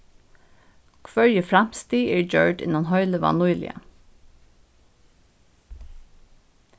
hvørji framstig eru gjørd innan heilivág nýliga